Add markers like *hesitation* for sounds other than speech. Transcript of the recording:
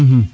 *hesitation* *hesitation*